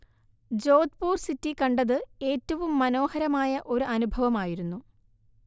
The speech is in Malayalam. ജോധ്പൂർ സിറ്റി കണ്ടത് ഏറ്റവും മനോഹരമായ ഒരനുഭവമായിരുന്നു